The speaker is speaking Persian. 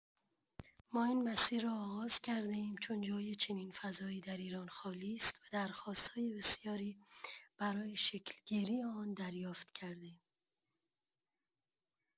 ما این مسیر را آغاز کرده‌ایم چون جای چنین فضایی در ایران خالی است و درخواست‌های بسیاری برای شکل‌گیری آن دریافت کرده‌ایم.